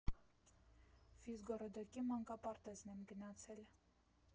Ֆիզգոռոդոկի մանկապարտեզն եմ գնացել.